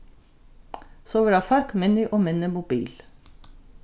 so verða fólk minni og minni mobil